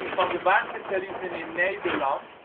van de warmtetarieven in Nederland